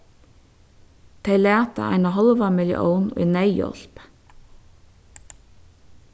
tey lata eina hálva millión í neyðhjálp